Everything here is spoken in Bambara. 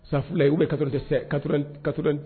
Safurulaye oubien c'est 80 80